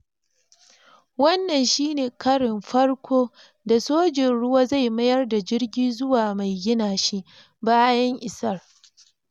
Wannan shi ne karin farko da Sojin ruwa zai mayar da jirgi zuwa ga mai gina shi bayan ya isar.